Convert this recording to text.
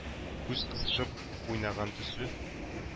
Күз кысышып уйнаган төсле,